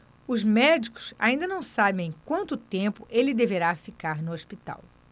os médicos ainda não sabem quanto tempo ele deverá ficar no hospital